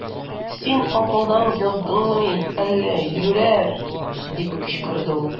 Син акылдан яздыңмы әллә, юләр! - дип кычкырды ул.